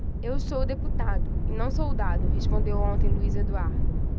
eu sou deputado e não soldado respondeu ontem luís eduardo